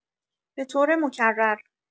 به‌طور مکرر